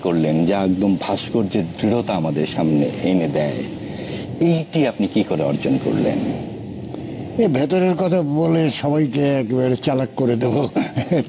করলেন যা একদম ভাস্কর্যের দৃঢ়তা আমাদের সামনে এনে দেয় এইটা আপনি কি করে অর্জন করলেন ভেতরে কথা বলে যে সবাইকে একেবারে চালাক করে দেব